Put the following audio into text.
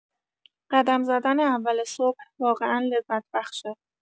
قدم زدن اول صبح واقعا لذت بخشه